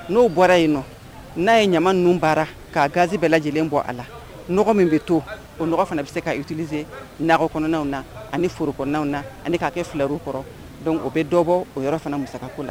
N'o bɔra yen nɔ n'a ye ɲama ninnu baara'a ganzsi bɛɛ lajɛlen bɔ a la mɔgɔ min bɛ to o fana bɛ se ka utirise na kɔnɔnw na ani forokw na ani'a kɛ filaw kɔrɔ don o bɛ dɔbɔ o yɔrɔ fana mu kunna na